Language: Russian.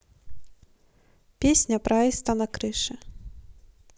песня про аиста на крыше